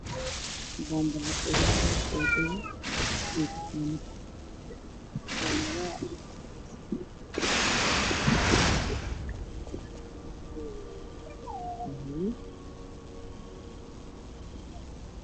Waa bamba leh horta awo jirta katiinaad oodu yahay dahabi waan baraarkiis waa madow miiska waa caddaan darbiga waa caddaan